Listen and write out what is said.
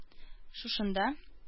Шушында